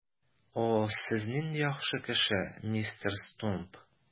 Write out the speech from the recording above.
О, сез нинди яхшы кеше, мистер Стумп!